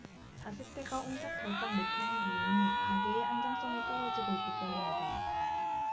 사십 대가 옴짝달싹 못하는 이유는 가계의 안정성이 떨어지고 있기 때문이다